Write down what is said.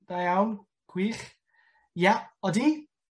...da iawn, gwych ie odi.